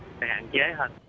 chế